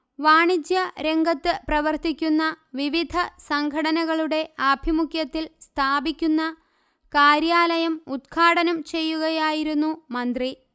വാണിജ്യ രംഗത്ത് പ്രവർത്തിക്കുന്ന വിവിധ സംഘടനകളുടെ ആഭിമുഖ്യത്തിൽ സ്ഥാപിക്കുന്ന കാര്യാലയം ഉദ്ഘാടനം ചെയ്യുകയായിരുന്നു മന്ത്രി